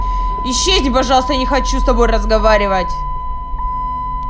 исчезни пожалуйста я не хочу с тобой разговаривать